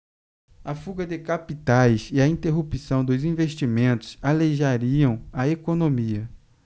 a fuga de capitais e a interrupção dos investimentos aleijariam a economia